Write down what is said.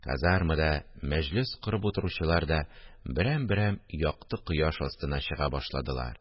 Казармада мәҗлес корып утыручылар да берәм-берәм якты кояш астына чыга башладылар